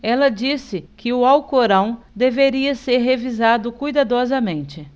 ela disse que o alcorão deveria ser revisado cuidadosamente